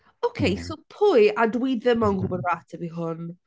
Ocê, so pwy... a dwi ddim yn gwybod yr ateb i hwn.